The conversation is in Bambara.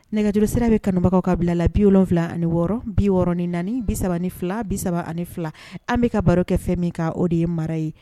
Nɛgɛj sira bɛ kanubagaw ka bila la bi o wolonwula ani wɔɔrɔ bi6ɔrɔn ni naani bi3 ni fila bi3 ani fila an bɛka ka baro kɛ fɛn min ka o de ye mara ye